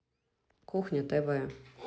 кухня тв